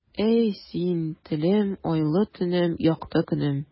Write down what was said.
Әй, син, телем, айлы төнем, якты көнем.